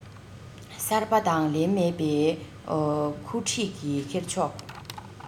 གསར པ དང ལེན མེད པའི ཁུ འཁྲིགས ཀྱི ཁེར ཕྱོགས